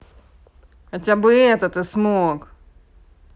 хотя бы этот ты смог